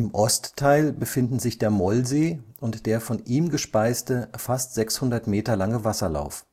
Ostteil befinden sich der Mollsee und der von ihm gespeiste fast 600 m lange Wasserlauf